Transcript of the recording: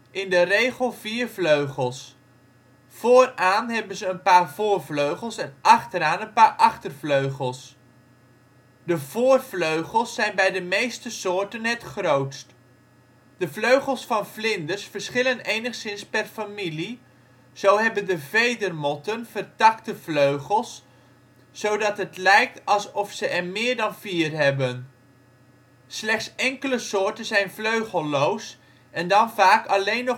in de regel vier vleugels. Vooraan hebben ze een paar voorvleugels en achteraan een paar achtervleugels. De voorvleugels zijn bij de meeste soorten het grootst. De vleugels van vlinders verschillen enigszins per familie, zo hebben de vedermotten vertakte vleugels zodat het lijkt alsof ze er meer dan vier hebben. Slechts enkele soorten zijn vleugelloos en dan vaak alleen